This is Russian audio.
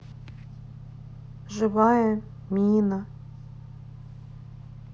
живая мина